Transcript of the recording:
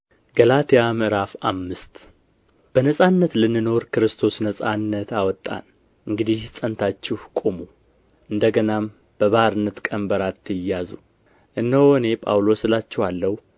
ገላትያ ምዕራፍ አምስት በነጻነት ልንኖር ክርስቶስ ነጻነት አወጣን እንግዲህ ጸንታችሁ ቁሙ እንደ ገናም በባርነት ቀንበር አትያዙ እነሆ እኔ ጳውሎስ እላችኋለሁ